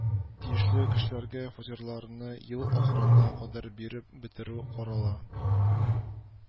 Тиешле кешеләргә фатирларны ел ахырына кадәр биреп бетерү карала